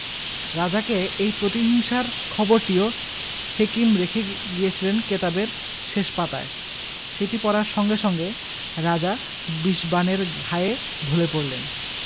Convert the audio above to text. রাজাকে এই প্রতিহিংসার খবরটিও হেকিম রেখে গিয়েছিলেন কেতাবের শেষ পাতায় সেইটি পড়ার সঙ্গে সঙ্গে রাজা বিষবাণের ঘায়ে ঢলে পড়লেন